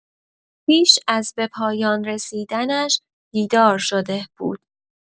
پیش از به پایان رسیدنش بیدار شده بود.